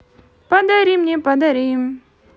подари мне подари